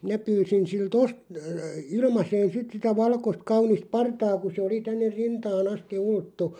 minä pyysin siltä -- ilmaiseen sitten sitä valkoista kaunista partaa kun se oli tänne rintaan asti ulottui